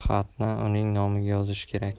xatni uning nomiga yozish kerak